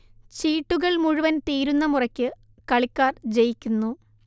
ചീട്ടുകൾ മുഴുവൻ തീരുന്ന മുറയ്ക്ക് കളിക്കാർ ജയിക്കുന്നു